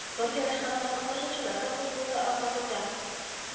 Спорт ярышларында катнашучылар да күп булды Ака туйда